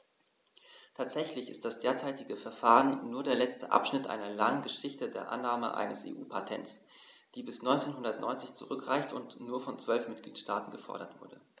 Tatsächlich ist das derzeitige Verfahren nur der letzte Abschnitt einer langen Geschichte der Annahme eines EU-Patents, die bis 1990 zurückreicht und nur von zwölf Mitgliedstaaten gefordert wurde.